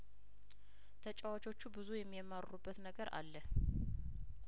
ተጫዋቾቹ ብዙ የሚያማርሩበት ነገር አለ